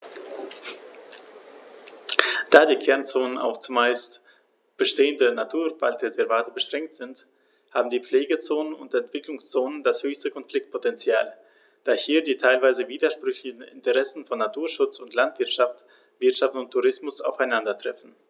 Da die Kernzonen auf – zumeist bestehende – Naturwaldreservate beschränkt sind, haben die Pflegezonen und Entwicklungszonen das höchste Konfliktpotential, da hier die teilweise widersprüchlichen Interessen von Naturschutz und Landwirtschaft, Wirtschaft und Tourismus aufeinandertreffen.